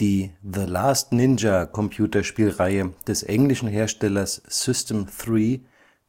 Die The Last Ninja-Computerspielreihe des englischen Herstellers System 3